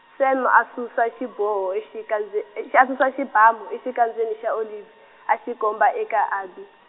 Sam a susa xiboho exikandze-, exi- a susa xibamu exikandzeni xa Oliv- , a xi komba eka Abby.